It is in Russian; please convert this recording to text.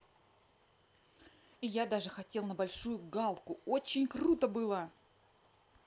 и я даже хотел на большую галку очень круто было